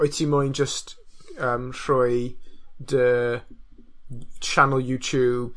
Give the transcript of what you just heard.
wyt ti moyn jyst yym rhoi dy sianel YouTube